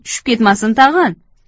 tushib ketmasin tag'in